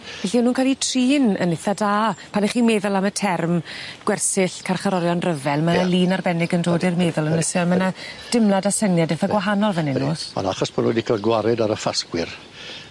Felly o'n nw'n ca'l 'u trin yn itha da pan 'ych chi'n meddwl am y term gwersyll carcharorion ryfel ma' 'na lun arbennig yn dod i'r meddwl ond o'e e ma' 'na dimlad a syniad itha gwahanol fyn 'yn o's? Ydi on' achos bo' nw 'di ca'l gwared ar y ffasgwyr